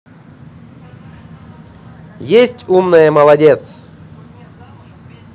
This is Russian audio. есть умная молодец